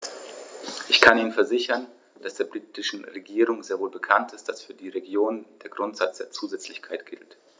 Ich kann Ihnen versichern, dass der britischen Regierung sehr wohl bekannt ist, dass für die Regionen der Grundsatz der Zusätzlichkeit gilt.